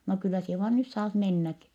no kyllä sinä vain nyt saat mennäkin